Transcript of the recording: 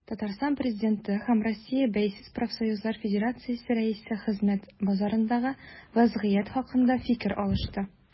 Татарстан Президенты һәм Россия Бәйсез профсоюзлар федерациясе рәисе хезмәт базарындагы вәзгыять хакында фикер алышты.